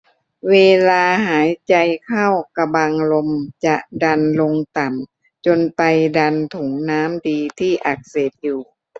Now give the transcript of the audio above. เวลาหายใจเข้ากะบังลมจะดันลงต่ำจนไปดันถุงน้ำดีที่อักเสบอยู่